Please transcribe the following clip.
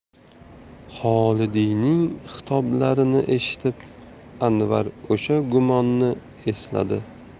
xolidiyning xitoblarini eshitib anvar o'sha gumonni esladi